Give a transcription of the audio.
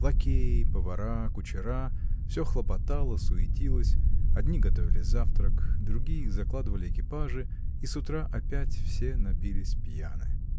Лакеи, повара, кучера — всё хлопотало, суетилось: одни готовили завтрак, другие закладывали экипажи, и с утра опять все напились пьяны.